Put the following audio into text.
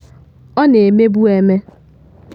Ọ na-emebu eme.